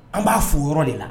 An b'a f yɔrɔ de la